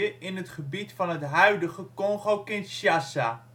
in het gebied van het huidige Congo-Kinshasa